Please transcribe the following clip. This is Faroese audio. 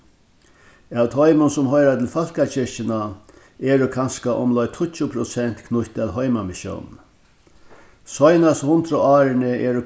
av teimum sum hoyra til fólkakirkjuna eru kanska umleið tíggju prosent knýtt at heimamissiónini seinastu hundrað árini eru